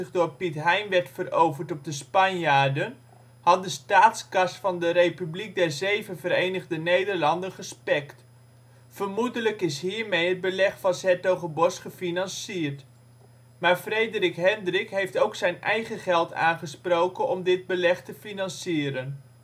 door Piet Hein werd veroverd op de Spanjaarden had de staatskas van de Republiek der Zeven Verenigde Nederlanden gespekt. Vermoedelijk is hiermee het Beleg van ' s-Hertogenbosch gefinancierd. Maar Frederik Hendrik heeft ook zijn eigen geld aangesproken om dit beleg te financieren